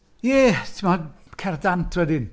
Ie, timod. Cerdd dant wedyn.